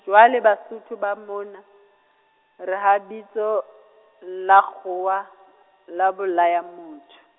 jwale Basotho ba mona, reha bitso, la kgowa, la bolaya motho.